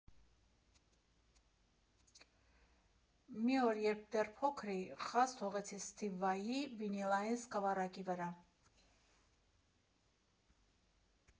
Մի օր, երբ դեռ փոքր էի, խազ թողեցի Սթիվ Վայի վինիլային սկավառակի վրա։